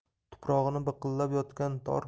tuprog'i bilqillab yotgan tor